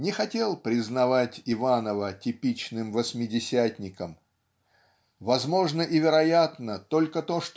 не хотел признавать Иванова типичным восьмидесятником Возможно и вероятно только то